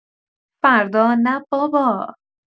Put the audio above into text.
فردا نه بابا!